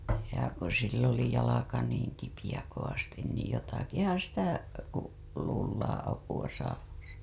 ja kun sillä oli jalka niin kipeä kovasti niin jotakinhan sitä kun luullaan apua saavansa